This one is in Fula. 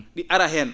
?i ara heen